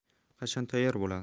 qachon tayyor bo'ladi